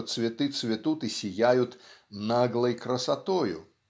что цветы цветут и сияют "наглой красотою"